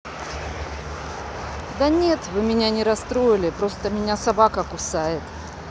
да нет вы меня не расстроили просто меня собака кусает